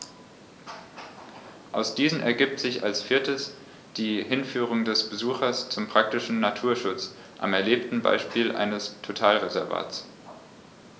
Aus diesen ergibt sich als viertes die Hinführung des Besuchers zum praktischen Naturschutz am erlebten Beispiel eines Totalreservats.